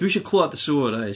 Dwi isio clywed y sŵn 'fyd.